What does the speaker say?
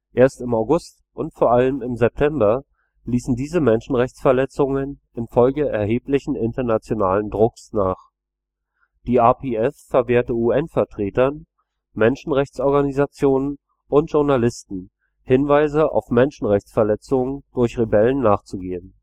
Erst im August und vor allem im September ließen diese Menschenrechtsverletzungen infolge erheblichen internationalen Drucks nach. Die RPF verwehrte UN-Vertretern, Menschenrechtsorganisationen und Journalisten, Hinweisen auf Menschenrechtsverletzungen durch Rebellen nachzugehen